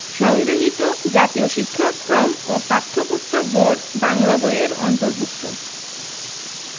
সংগ্রহীত জাতীয় শিক্ষাক্রম ও পাঠ্যপুস্তক বোর্ড বাংলা বই এর অন্তর্ভুক্ত